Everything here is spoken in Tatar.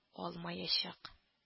Алмаячак…